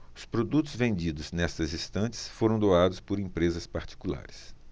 os produtos vendidos nestas estantes foram doados por empresas particulares